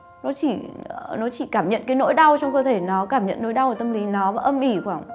nó chỉ nó chỉ cảm nhận cái nỗi đau trong cơ thể nó cảm nhận nỗi đau ở tâm lý nó và âm ỉ khoảng